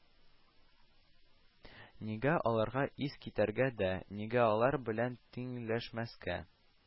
Нигә аларга ис китәргә дә, нигә алар белән тиңләшмәскә